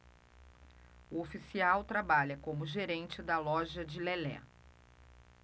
o oficial trabalha como gerente da loja de lelé